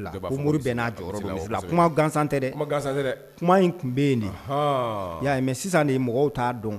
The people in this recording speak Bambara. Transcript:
Ko mori bɛɛ na jɔyɔrɔ don misirila . Kuma gansan tɛ dɛ., kuma in kun be yen de. Ya ye? mais sisan mɔgɔw ta dɔn de.